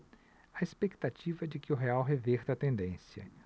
a expectativa é de que o real reverta a tendência